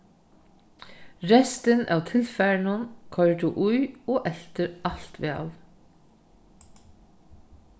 restin av tilfarinum koyrir tú í og eltir alt væl